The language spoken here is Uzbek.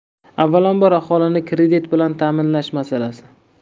avvalambor aholini kredit bilan ta'minlash masalasi